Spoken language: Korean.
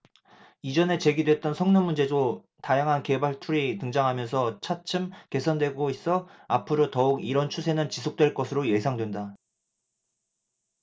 이전에 제기됐던 성능문제도 다양한 개발툴이 등장하면서 차츰 개선되고 있어 앞으로 더욱 이런 추세는 지속될 것으로 예상된다